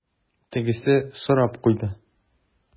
Тегесе сорап куйды: